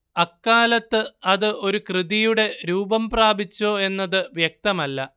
അക്കാലത്ത് അത് ഒരു കൃതിയുടെ രൂപം പ്രാപിച്ചോ എന്നത് വ്യക്തമല്ല